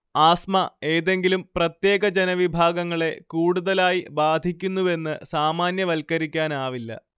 asthma ഏതെങ്കിലും പ്രത്യേക ജനവിഭാഗങ്ങളെ കൂടുതലായി ബാധിക്കുന്നുവെന്ന് സാമാന്യവൽക്കരിക്കാനാവില്ല